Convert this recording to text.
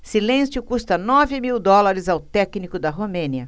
silêncio custa nove mil dólares ao técnico da romênia